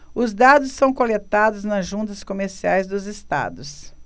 os dados são coletados nas juntas comerciais dos estados